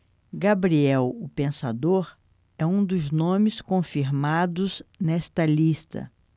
gabriel o pensador é um dos nomes confirmados nesta lista